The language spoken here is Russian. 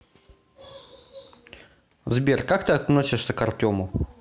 сбер как ты относишься к артему